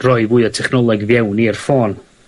rhoi fwy o technoleg fewn i'r ffôn.